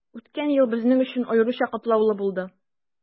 Үткән ел безнең өчен аеруча катлаулы булды.